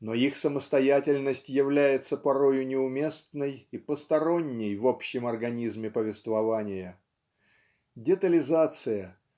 но их самостоятельность является порою неуместной и посторонней в общем организме повествования. Детализация